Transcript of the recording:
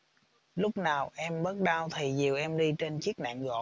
lúc nào em bớt đau thì dìu em đi trên chiếc nạng gỗ